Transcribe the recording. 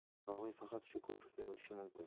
yog'iy faqat shu ko'prikdan o'tishi mumkin